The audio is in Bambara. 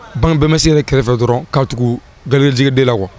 Banbɛnmesi yɛrɛ kɛrɛfɛ dɔrɔn k'a tugu gajɛde la wa